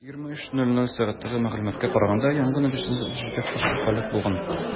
23:00 сәгатьтәге мәгълүматка караганда, янгын нәтиҗәсендә 37 кеше һәлак булган.